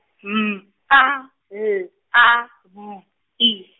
M A L A V I.